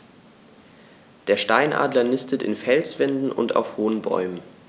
Der Steinadler nistet in Felswänden und auf hohen Bäumen.